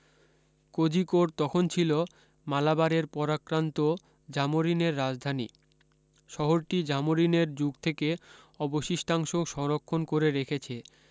কোজিকোড় তখন ছিল মালাবারের পরাক্রান্ত জামোরিনের রাজধানী শহরটি জামোরিনের যুগ থেকে অবশিষ্টাংশ সংরক্ষণ করে রেখেছে